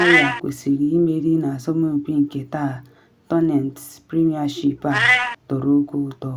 Ayr kwesịrị imeri na asọmpi nke taa Tennent’s Premiership a tọrọ oke ụtọ.